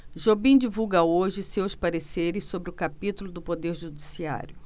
jobim divulga hoje seus pareceres sobre o capítulo do poder judiciário